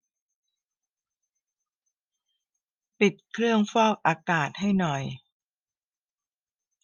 ปิดเครื่องฟอกอากาศให้หน่อย